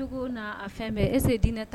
Togo n'a fɛn bɛɛ est-ce que dinɛ ta